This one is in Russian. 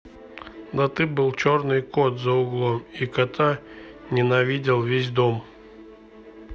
да был черный кот за углом и кота ненавидел весь дом